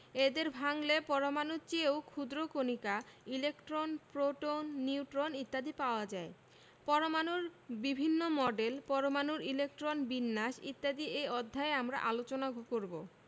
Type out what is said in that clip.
এদের ভাঙলে পরমাণুর চেয়েও ক্ষুদ্র কণিকা ইলেকট্রন প্রোটন নিউট্রন ইত্যাদি পাওয়া যায় পরমাণুর বিভিন্ন মডেল পরমাণুর ইলেকট্রন বিন্যাস ইত্যাদি এ অধ্যায়ে আলোচনা করব